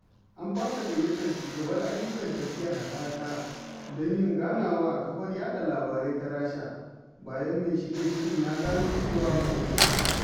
An fasa gayyatar shugabar ayyukan tafiyar haɗaka don yin ganawa a kafar yaɗa labarai ta Rasha, bayan mai shirya shirin ya gano cewa mace ce